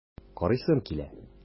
Карыйсым килә!